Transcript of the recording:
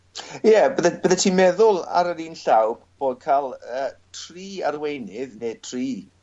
Ie bydde byddet ti'n meddwl ar yr un llaw bod ca'l yy tri arweinydd ne' tri